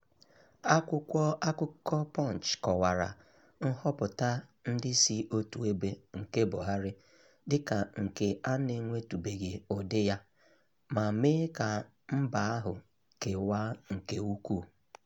Akwụkwọ akụkọ Punch kọwara "nhọpụta ndị si otu ebe" nke Buhari dị ka "nke a na-enwetụbeghị ụdị ya" ma mee ka mba ahụ kewaa nke ukwuu.